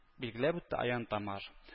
Билгеләп үтте аян тамаш